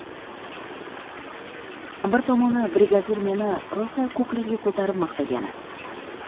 bir tomoni brigadir meni rosa ko'klarga ko'tarib maqtagani